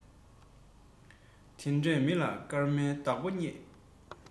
མི ལ ཚང ན མཁས པའི ཡང རྩེ ཡིན